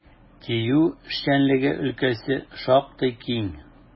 ТИҮ эшчәнлеге өлкәсе шактый киң.